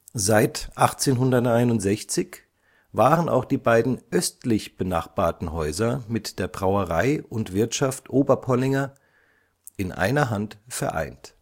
Seit 1861 waren auch die beiden östlich benachbarten Häuser mit der Brauerei und Wirtschaft Oberpollinger in einer Hand vereint